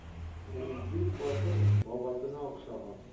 Ул бик батыр, бабасына охшаган.